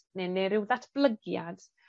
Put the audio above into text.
ne' ne'; ryw ddatblygiad,